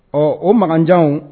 Ɔ o manjan